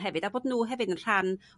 hefyd â bod n'w hefyd yn rhan